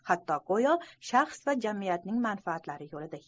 hatto go'yo shaxs va jamiyatning manfaatlari yo'lida